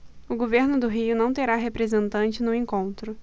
o governo do rio não terá representante no encontro